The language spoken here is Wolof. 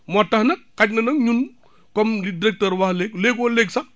moo tax nag xay na nag ñun comme li directeur wax léegi léegoo-léeg sax